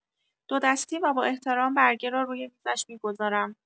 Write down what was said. دو دستی و با احترام برگه را روی میزش می‌گذارم.